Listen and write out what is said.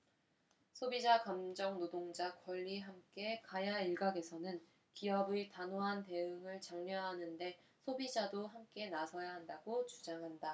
소비자 감정노동자 권리 함께 가야일각에서는 기업의 단호한 대응을 장려하는데 소비자도 함께 나서야 한다고 주장한다